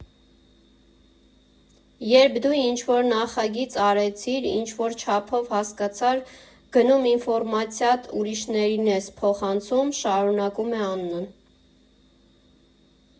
Երբ դու ինչ֊որ նախագիծ արեցիր, ինչ֊որ չափով հասկացար, գնում ինֆորմացիադ ուրիշին ես փոխանցում, ֊ շարունակում է Աննան։